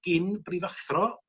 ...gyn brifathro